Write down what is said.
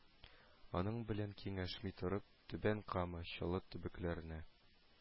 Аның белән киңәшми торып, түбән кама, чаллы төбәкләренә